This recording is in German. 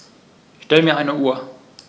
Stell mir eine Uhr.